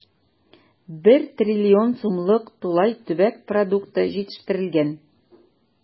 1 трлн сумлык тулай төбәк продукты җитештерелгән.